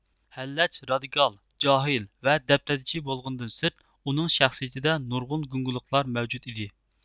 ھەللەج رادىكال جاھىل ۋە دەبدەبىچى بولغىنىدىن سىرت ئۇنىڭ شەخسىيىتىدە نۇرغۇن گۇڭگىلىقلار مەۋجۇت ئىدى